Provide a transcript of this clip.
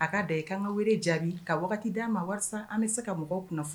A ka da i k'an ŋa wele jaabi ka wagati d'an ma walasa an bɛ se ka mɔgɔw kunnafo